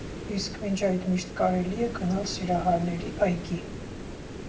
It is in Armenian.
Իսկ մինչ այդ միշտ կարելի է գնալ Սիրահարների այգի։